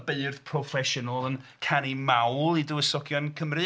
Y beirdd proffesiynol yn canu mawl i dywysogion Cymru.